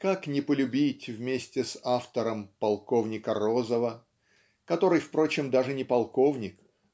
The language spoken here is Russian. Как не полюбить вместе с автором полковника Розова который впрочем даже не полковник